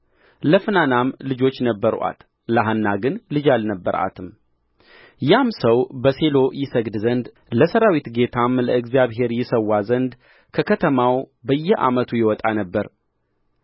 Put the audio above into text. ለፍናናም ልጆች ነበሩአት ለሐና ግን ልጅ አልነበራትም ያም ሰው በሴሎ ይሰግድ ዘንድ ለሠራዊት ጌታም ለእግዚአብሔር ይሠዋ ዘንድ ከከተማው በየዓመቱ ይወጣ ነበር